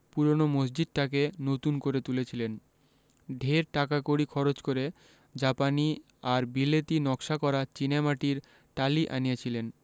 পূরোনো মসজিদটাকে নতুন করে তুলেছিলেন ঢের টাকাকড়ি খরচ করে জাপানি আর বিলেতী নকশা করা চীনেমাটির টালি আনিয়েছিলেন